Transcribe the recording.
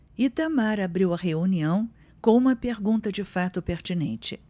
itamar abriu a reunião com uma pergunta de fato pertinente